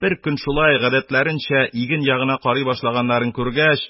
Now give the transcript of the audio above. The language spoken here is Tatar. Беркөн шулай, гадәтләренчә, иген ягына карый башлаганнарын күргәч,